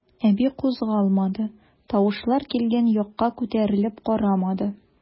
Әби кузгалмады, тавышлар килгән якка күтәрелеп карамады.